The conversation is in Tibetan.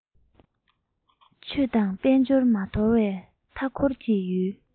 ཆོས དང དཔལ འབྱོར མ དར བའི མཐའ འཁོར གྱི ཡུལ